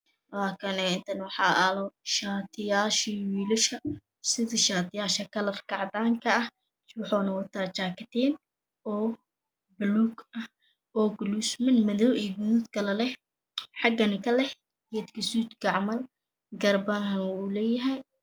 Wakanhe halkan waxayalo shatiyashii wiilasha sida shatiyasha kalarka cadanka ah waxun wata jakatin obalugah ogalusman madow iyo gadudkala leh xaganakaleh gedkiisuka camal garbahan a wuleyahay